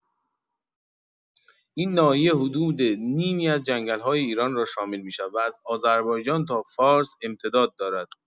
این ناحیه حدود نیمی از جنگل‌های ایران را شامل می‌شود و از آذربایجان تا فارس امتداد دارد.